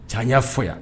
Ca y'a fo yan